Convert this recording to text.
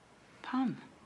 Pam?